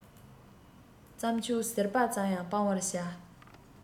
རྩྭ མཆོག ཟིལ པ ཙམ ཡང སྤང བར བྱ